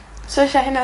Sai isia hynna...